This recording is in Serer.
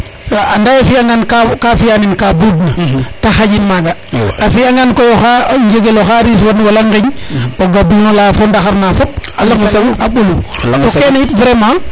ande a fiya ngan ka fiya nen ka buud na a xaƴin maga a fiya ngan koy oxa njegelo xa riis wan wala ŋeñ o gambiyo na fo ndaxar na fop a laŋ soɓu a ɓolu to kene yit vraiment